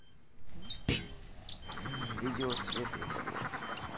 видео света и богдан